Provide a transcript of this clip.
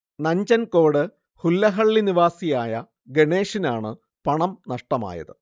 നഞ്ചൻകോട് ഹുല്ലഹള്ളി നിവാസിയായ ഗണേഷിനാണ് പണം നഷ്ടമായത്